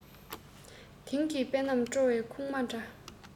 དེང གི དཔེ རྣམས སྤྲང བོའི ཁུག མ འདྲ